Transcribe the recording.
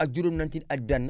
ak juróom-ñeenti nit ak benn